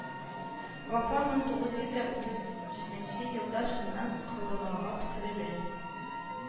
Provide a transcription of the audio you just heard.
Вафа мең тугыз йөз дә утыз җиденче елда шуннан Колымага сөрелә